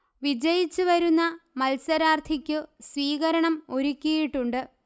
വിജയിച്ചു വരുന്ന മത്സരാർഥിക്കു സ്വീകരണം ഒരുക്കിയിട്ടുണ്ട്